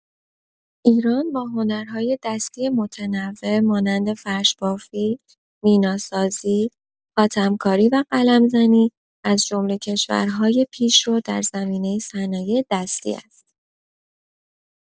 ایران با هنرهای دستی متنوع مانند فرش‌بافی، میناسازی، خاتم‌کاری و قلم‌زنی، از جمله کشورهای پیشرو در زمینه صنایع‌دستی است.